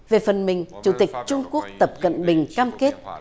về phần mình chủ tịch trung quốc tập cận bình cam kết